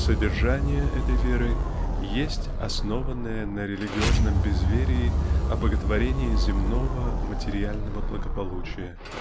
содержание этой веры есть основанное на религиозном безверии обоготворение земного материального благополучия.